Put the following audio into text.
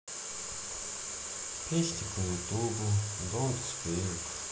песня по ютубу донт спик